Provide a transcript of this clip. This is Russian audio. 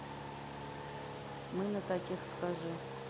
мы на таких скажи